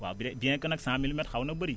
waaw bien que nag cent milimètres xaw na bëri